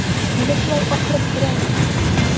Нигә шулай акырып керәсең?